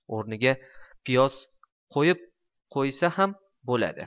o'rniga piyoz qo'yib qo'ysa ham bo'ladi